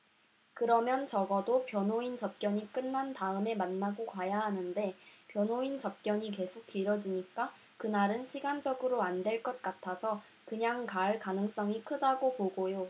그러면 적어도 변호인 접견이 끝난 다음에 만나고 가야 하는데 변호인 접견이 계속 길어지니까 그날은 시간적으로 안 될 것 같아서 그냥 갈 가능성이 크다고 보고요